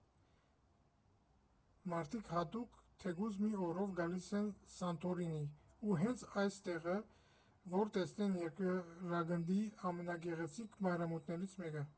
Մարդիկ հատուկ, թեկուզ մի օրով գալիս են Սանտորինի, ու հենց այս տեղը, որ տեսնեն երկրագնդի ամենագեղեցիկ մայրամուտներից մեկը։